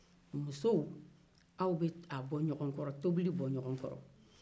musow aw be a bɔɲɔgɔn kɔrɔ tobili bɔ ɲɔgɔn kɔrɔ